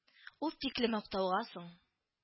Ул тикле мактауга соң